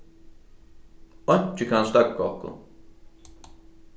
einki kann steðga okkum